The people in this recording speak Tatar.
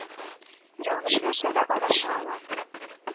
Ялгышмаса да, адаша ала.